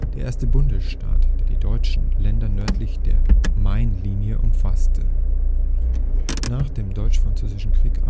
erste Bundesstaat, der die deutschen Länder nördlich der Mainlinie umfasste. Nach dem Deutsch-Französischen Krieg